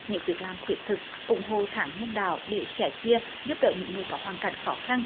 những việc làm thiết thực ủng hộ tháng nhân đạo để sẻ chia giúp đỡ những người có hoàn cảnh khó khăn